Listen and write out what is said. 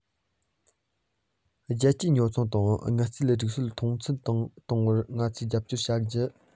རྒྱལ སྤྱིའི ཉོ ཚོང དང དངུལ རྩའི སྒྲིག སྲོལ འཐུས ཚང དུ གཏོང བར ང ཚོས རྒྱབ སྐྱོར བྱ རྒྱུ